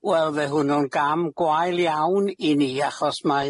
Wel, fy' hwnnw'n gam gwael iawn i ni achos mae